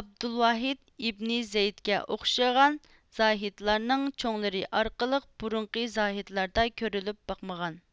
ئابدۇلۋاھىد ئىبنى زەيدكە ئوخشىغان زاھىدلارنىڭ چوڭلىرى ئارقىلىق بۇرۇنقى زاھىدلاردا كۆرۈلۈپ باقمىغان